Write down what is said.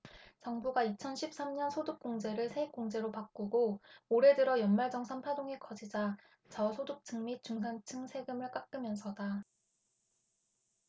정부가 이천 십 삼 년 소득공제를 세액공제로 바꾸고 올해 들어 연말정산 파동이 커지자 저소득층 및 중산층 세금을 깎으면서다